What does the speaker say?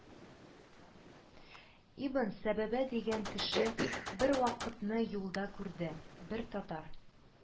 Ибн Сәбабә дигән кеше бервакытны юлда күрде: бер татар